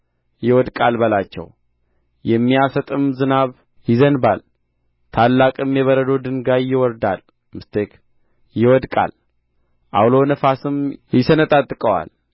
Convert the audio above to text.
ይወድቃል በላቸው የሚያሰጥም ዝናብ ይዘንባል ታላቅም የበረዶ ድንጋይ ይወድቃል ዐውሎ ነፋስም ይሰነጣጥቀዋል